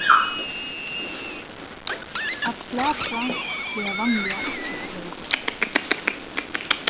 at slatra plagar vanliga ikki at vera gott